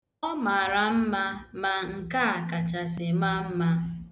Ọ mara mma ma nke a kachasị maa mma.